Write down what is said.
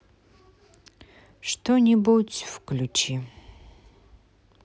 что нибудь включи